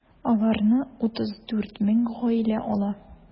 Аларны 34 мең гаилә ала.